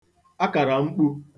akàrà mkpu